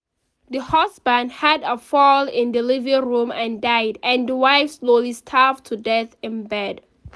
The husband had a fall in the living room and died, and the wife slowly starved to death in bed.